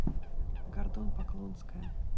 гордон поклонская